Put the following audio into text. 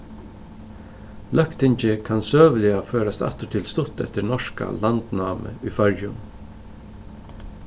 løgtingið kann søguliga førast aftur til stutt eftir norska landnámið í føroyum